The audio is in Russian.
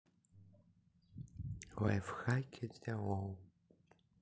лайфхаки для лол